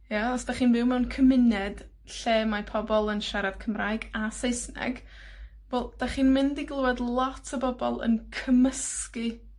ia, os 'dach chi'n byw mewn cymuned lle mae pobol yn siarad Cymraeg a Saesneg, wel, 'dach chi'n mynd i glywed lot o bobol yn cymysgu